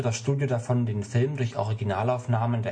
Studio davon, den Film durch Originalaufnahmen